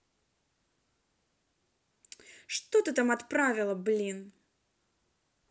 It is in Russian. что ты там отправила блин